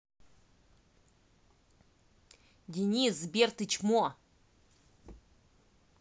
денис сбер ты чмо